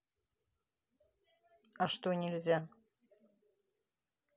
а что нельзя